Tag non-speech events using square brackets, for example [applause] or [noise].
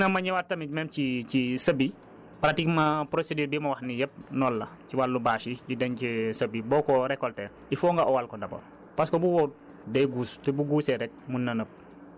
donc loolu nit ñi war nañ cee moytu bu baax a baax léegi nag ma ñëwaat tamit même ci ci sëb yi pratiquement procédure bi ma wax nii yépp loolu la ci wàllu bâche yi yi dem ci [hesitation] sëb yi boo ko récolter il faut nga owal ko d' abord